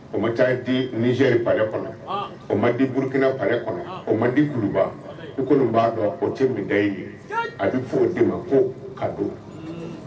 O ma di niz ye faɛ kɔnɔ o man di burukina faɛ kɔnɔ o man di kuruba u kɔni b'a dɔn o cɛ min da i ye a bɛ fɔ o' ma ko ka don